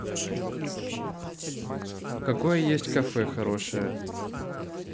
какое есть кафе хорошее